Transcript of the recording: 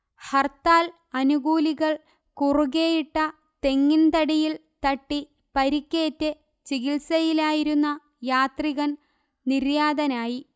ഹർത്താൽ അനുകൂലികൾ കുറുകെയിട്ട തെങ്ങിൻ തടിയിൽ തട്ടി പരിക്കേറ്റ് ചികിത്സയിലായിരുന്ന യാത്രികൻ നിര്യാതനായി